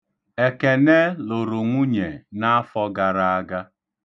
Ekene lụrụ nwunye n'afọ gara aga.